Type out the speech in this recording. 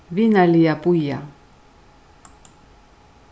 vinarliga bíða